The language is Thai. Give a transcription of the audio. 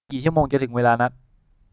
อีกกี่ชั่วโมงจะถึงเวลานัด